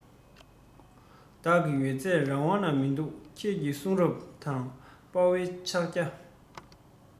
བདག གི ཡོད ཚད རང དབང ན མི འདུག ཁྱེད ཀྱི གསུང རབ དང དཔའ བོའི ཕྱག རྒྱ